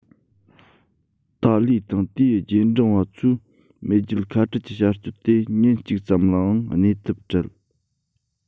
ཏཱ ལའི དང དེའི རྗེས འབྲངས པ ཚོས མེས རྒྱལ ཁ བྲལ གྱི བྱ སྤྱོད དེ ཉིན གཅིག ཙམ ལའང གནས ཐབས བྲལ